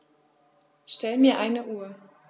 Stell mir eine Uhr.